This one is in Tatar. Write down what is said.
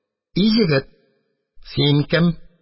И егет, син кем?